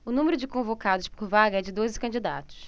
o número de convocados por vaga é de doze candidatos